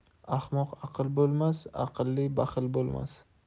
ahmoqda aql bo'lmas aqlli baxil bo'lmas